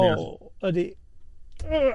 O, ydi.